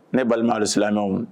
Ne balima alisilamɛw